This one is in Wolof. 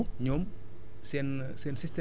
ak dugub wala mboq